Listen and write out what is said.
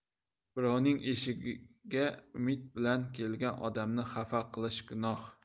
birovning eshigiga umid bilan kelgan odamni xafa qilish gunoh